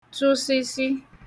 tụsịsị